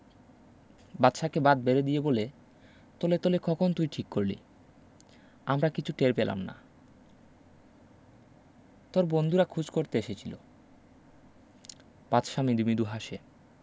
বাদশাকে বাত বেড়ে দিয়ে বলে তলে তলে কখন তুই ঠিক করলি আমরা কিচ্ছু টের পেলাম না তোর বন্ধুরা খোঁজ করতে এসেছিলো বাদশা মৃদু মৃদু হাসে